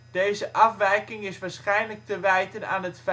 deze afwijking is waarschijnlijk te wijten aan het